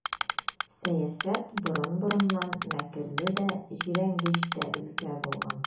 Сәясәт борын-борыннан мәкерле дә, җирәнгеч тә өлкә булган.